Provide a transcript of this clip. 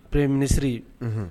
Premier ministre ,unhun.